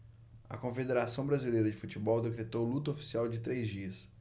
a confederação brasileira de futebol decretou luto oficial de três dias